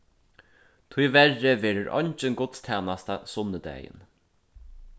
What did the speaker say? tíverri verður eingin gudstænasta sunnudagin